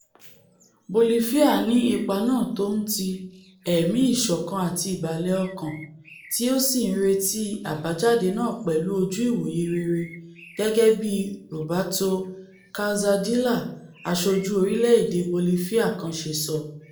Bolifia ni ipá náà tó ńti, ẹ̀mí ìṣọ̀kan àti ìbàlẹ̀-ọkàn, tí ó sì ńretí àbájáde náà pẹ̀lú ojú-ìwòye rere,'' gẹgẹ bíi Roberto Calzadilla, aṣojú orílẹ̀-èdè Bolifia kan ṣe sọ.